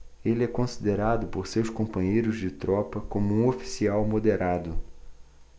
ele é considerado por seus companheiros de tropa como um oficial moderado